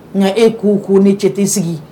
Nka e k' k'o ni cɛ tɛ sigi